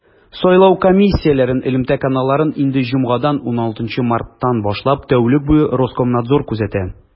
Сайлау комиссияләрен элемтә каналларын инде җомгадан, 16 марттан башлап, тәүлек буе Роскомнадзор күзәтә.